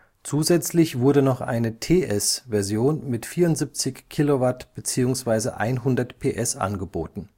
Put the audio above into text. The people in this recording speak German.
Zusätzlich wurde noch eine TS '- Version mit 74 kW (100 PS) angeboten